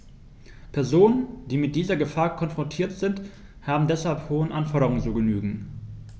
Personen, die mit dieser Gefahr konfrontiert sind, haben deshalb hohen Anforderungen zu genügen.